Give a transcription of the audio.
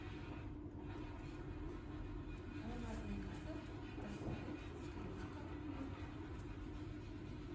алмазный газов бросает клюшка блюд